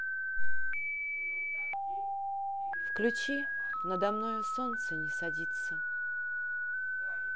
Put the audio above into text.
включи надо мною солнце не садится